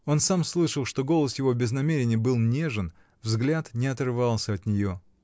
Он сам слышал, что голос его, без намерения, был нежен, взгляд не отрывался от нее.